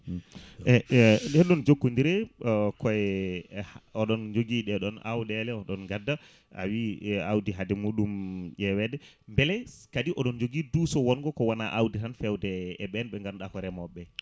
nden noon jokkodire koye ha oɗon jogui ɗeɗon awɗele oɗon gadda a wi awdi hade muɗum ƴewede beele kadi oɗon jogui duuso wongo kowona awdi tan fewde ɓen ɓe ganduɗa ko reemoɓeɓe